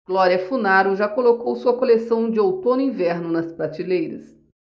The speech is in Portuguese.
glória funaro já colocou sua coleção de outono-inverno nas prateleiras